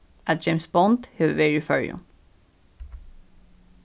at james bond hevur verið í føroyum